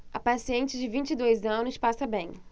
a paciente de vinte e dois anos passa bem